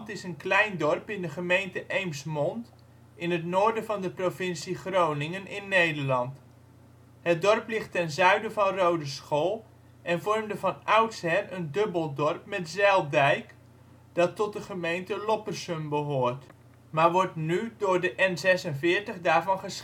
is een klein dorp in de gemeente Eemsmond in het noorden van de provincie Groningen in Nederland. Het dorp ligt ten zuiden van Roodeschool en vormde van oudsher een dubbeldorp met Zijldijk, dat tot de gemeente Loppersum behoort, maar wordt nu door de N46 daarvan